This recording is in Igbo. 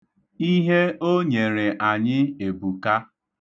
Ihe o nyere anyị ebuka.